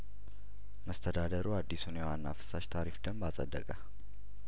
መስተዳድሩ አዲሱን የውሀና ፍሳሽ የታሪፍ ደንብ አጸደቀ